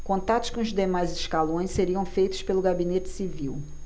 contatos com demais escalões seriam feitos pelo gabinete civil